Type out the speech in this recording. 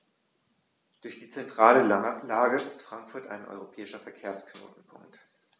Durch die zentrale Lage ist Frankfurt ein europäischer Verkehrsknotenpunkt.